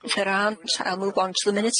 If there aren't, I'll move on to the minutes.